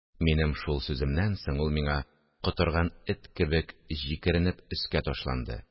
Минем шул сүземнән соң ул миңа котырган эт кебек җикеренеп өскә ташланды